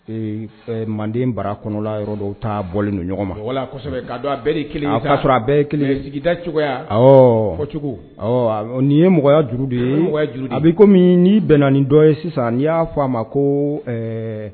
Ee manden bara kɔnɔla yɔrɔ taa bɔlen don ɲɔgɔn ma a sigida cogoya nin ye mɔgɔya juru de ye a bɛ kɔmi n'i bɛnnai dɔ ye sisan n'i y'a fɔ' a ma ko